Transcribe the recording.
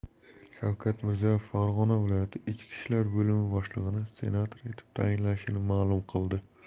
shavkat mirziyoyev farg'ona viloyati ichki ishlar boimi boshlig'ini senator etib tayinlashini ma'lum qildi